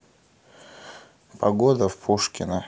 погода в пушкино